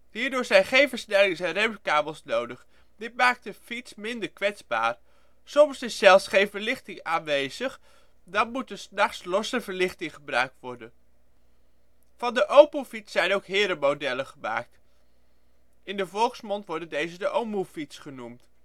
Hierdoor zijn geen versnellings - en remkabels nodig, dit maakt de fiets minder kwetsbaar. Soms is zelfs geen verlichting aanwezig, dan moet er ' s nachts losse verlichting gebruikt worden. Van de opoefiets zijn ook herenmodellen gemaakt. In de volksmond worden deze de omoefiets genoemd